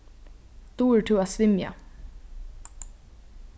dugir tú at svimja